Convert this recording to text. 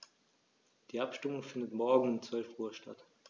Die Abstimmung findet morgen um 12.00 Uhr statt.